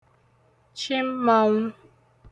chi mmanwụ